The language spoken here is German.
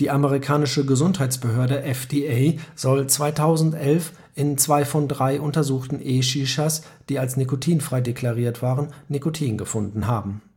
amerikanische Gesundheitsbehörde FDA soll 2011 in zwei von drei untersuchten E-Shishas, die als nikotinfrei deklariert waren, Nikotin gefunden haben